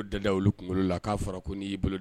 Da olu kunkolo la k'a fɔ la ko n'i y'i bolo